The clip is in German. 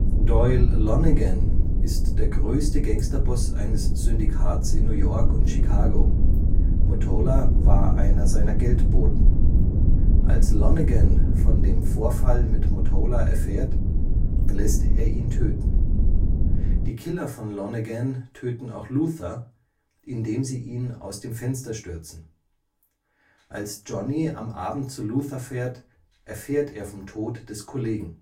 Doyle Lonnegan ist der größte Gangsterboss eines Syndikats in New York und Chicago, Mottola war einer seiner Geldboten. Als Lonnegan von dem Vorfall mit Mottola erfährt, lässt er ihn töten. Die Killer von Lonnegan töten auch Luther, indem sie ihn aus dem Fenster stürzen. Als Johnny am Abend zu Luther fährt, erfährt er vom Tod des Kollegen